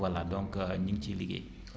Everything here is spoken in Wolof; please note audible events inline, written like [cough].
voilà donc [hesitation] ñu ngi ciy liggéey